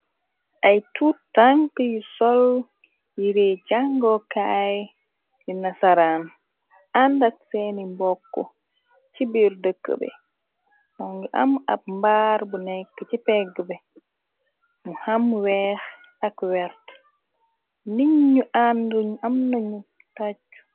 Ay tuu tank yu sol yirie jangoo kaay dina saraan àndak seeni mbokk ci biir dëkk bi mo ngi am ab mbaar bu nekk ci pegg bi mu xam weex ak wert nit ñu ànd ñu am nañu tajj.